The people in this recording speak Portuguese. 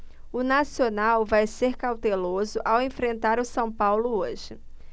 o nacional vai ser cauteloso ao enfrentar o são paulo hoje